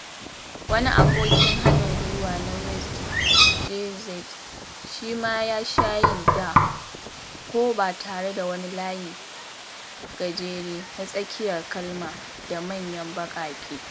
Wani abokin haɗin gwiwa na West, JAY-Z, shi ma ya sha yi da ko ba tare da wani layi gajere na tsakiyar kalma da manyan baƙaƙe.